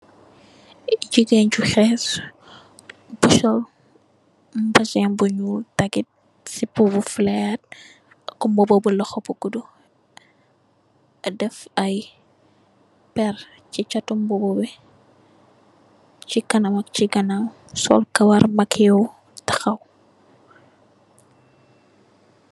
Jigeen ju xess bu sol mbazen bu ñuul dagit sipa bu feleyat ak mbubu bu loxo bu gudu def ay perr si cxati mbubu bi si kanam ak si ganaw sol karaw makiyewu taxaw.